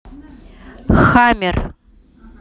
hammer